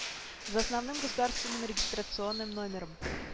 За основным государственным регистрационным номером